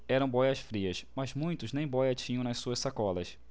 eram bóias-frias mas muitos nem bóia tinham nas suas sacolas